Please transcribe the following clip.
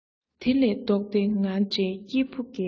དེ ལས ལྡོག སྟེ ང འདྲའི སྐྱེས བུ འགས